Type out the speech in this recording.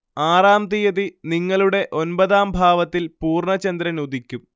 ആറാം തീയതി നിങ്ങളുടെ ഒൻപതാം ഭാവത്തിൽ പൂർണ്ണ ചന്ദ്രനുദിക്കും